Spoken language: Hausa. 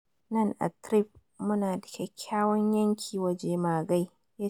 “Nan a Threave mu na da kyakkyawan yanki wa jemagai,” yace.